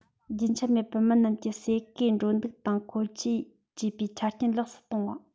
རྒྱུན ཆད མེད པར མི རྣམས ཀྱི ཟས གོས འགྲོ འདུག དང མཁོ ཆས བཅས པའི ཆ རྐྱེན ལེགས སུ གཏོང བ